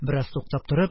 Бераз туктап торып: